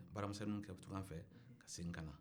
ka baara misɛnw kɛ tunga fɛ ka segin ka na